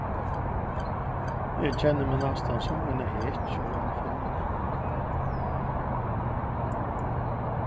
eg kenni meg næstan sum eina hetju í einum filmi